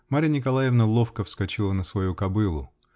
Марья Николаевна ловко вскочила на свою кобылу.